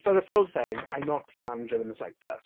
For the full thing, I'm not team Andrew in the slightest.